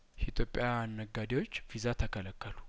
ኢትዮጵያውያን ነጋዴዎች ቪዛ ተከለከሉ